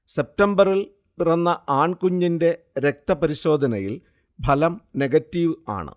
സെപ്റ്റംബറിൽ പിറന്ന ആൺകുഞ്ഞിന്റെ രക്തപരിശോധനയിൽ ഫലം നെഗറ്റീവ് ആണ്